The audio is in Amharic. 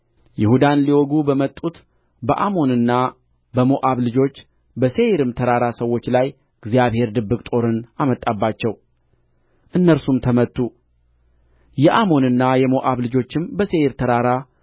ይሁዳን ሊወጉ በመጡት በአሞንና በሞዓብ ልጆች በሴይርም ተራራ ሰዎች ላይ እግዚአብሔር ድብቅ ጦርን አመጣባቸው እነርሱም ተመቱ የአሞንና የሞዓብ ልጆችም በሴይር ተራራ